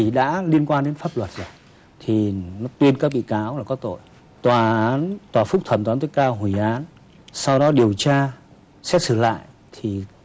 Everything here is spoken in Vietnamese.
thì đã liên quan đến pháp luật rồi thì nó tuyên các bị cáo là có tội tòa án tòa phúc thẩm phán tối cao hủy án sau đó điều tra xét sử lại thì